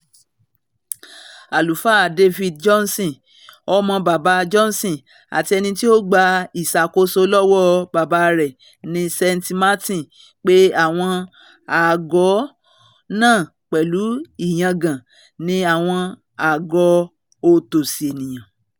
Àlùfáà David Johnson, ọmọ Baba Johnson àti ẹni tí ó gba ìsàkósọ́ lọ́wọ́ baba rẹ̀ ní St. Martin, pe àwọn aago náà, pẹ̀lú ìyangàn, ní ''àwọn aago òtòsi eniyan”.